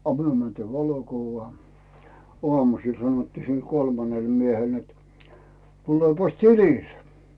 a me mentiin valokuvaan aamusella sanottiin sillä kolmannelle miehelle että tulepas tilille